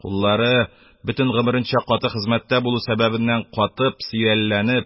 Куллары, бөтен гомеренчә каты хезмәттә булу сәбәбеннән, катып, сөялләнеп,